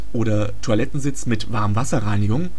oder „ Toilettensitz mit Warmwasser-Reinigung